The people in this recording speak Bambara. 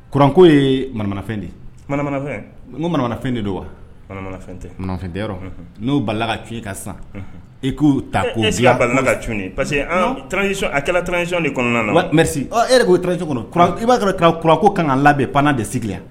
Kuranko yemanafɛn de ye kofɛn de don wafɛn tɛ n'o balalaka ti ka san i k'u ta koka c parce que tsi de kɔnɔna er k'oc kɔnɔ i b'a sɔrɔ kuranko ka labɛn pan desigi la